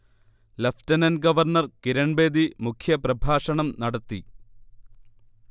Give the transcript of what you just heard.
lieutenant governor Kiran Bedi മുഖ്യ പ്രഭാഷണം നടത്തി